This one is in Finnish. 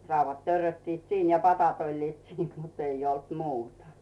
raudat törröttivät siinä ja padat olivat siinä mutta ei ollut muuta